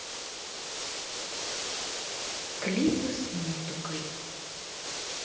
клипы с музыкой